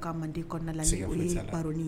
Ka manden kɔnɔna lase